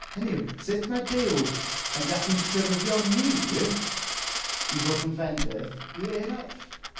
Hynny yw sut ma' Duw yn gallu'n ffurfio ni i fod yn fendith i eraill.